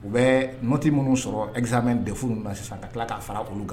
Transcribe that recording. U bɛ moti minnu sɔrɔ esa mɛn defu ninnu na sisan ka tila k'a fara olu kan